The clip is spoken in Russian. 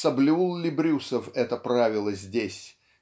соблюл ли Брюсов это правило здесь